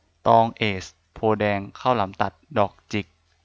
ตองเอซโพธิ์แดงข้าวหลามตัดดอกจิก